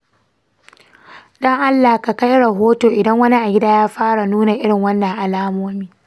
don allah ka kai rahoto idan wani a gida ya fara nuna irin wannan alamomi.